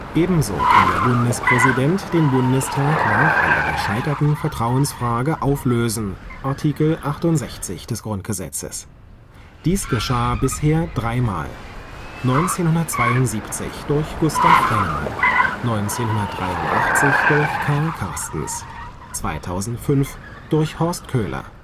Ebenso kann der Bundespräsident den Bundestag nach einer gescheiterten Vertrauensfrage auflösen (Art. 68 des Grundgesetzes). Dies geschah bisher dreimal: 1972 durch Gustav Heinemann, 1983 durch Karl Carstens, 2005 durch Horst Köhler